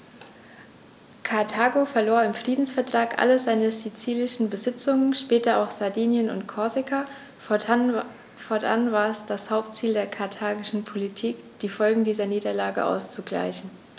Karthago verlor im Friedensvertrag alle seine sizilischen Besitzungen (später auch Sardinien und Korsika); fortan war es das Hauptziel der karthagischen Politik, die Folgen dieser Niederlage auszugleichen.